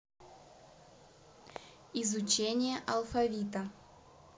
изучение алфавита